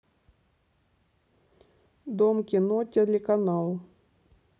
дом кино телеканал